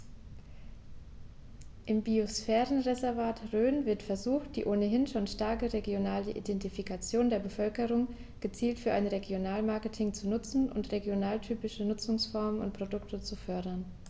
Im Biosphärenreservat Rhön wird versucht, die ohnehin schon starke regionale Identifikation der Bevölkerung gezielt für ein Regionalmarketing zu nutzen und regionaltypische Nutzungsformen und Produkte zu fördern.